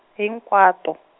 hinkwato.